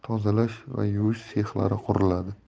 ko'rsatish tozalash va yuvish sexlari quriladi